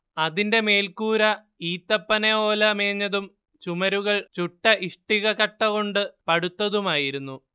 അതിന്റെ മേൽക്കൂര ഈത്തപ്പനയോല മേഞ്ഞതും ചുമരുകൾ ചുട്ട ഇഷ്ടിക കട്ട കൊണ്ട് പടുത്തതുമായിരുന്നു